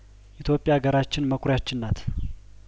ኢትዮጵያ ሀገራችን መኩሪያችን ናት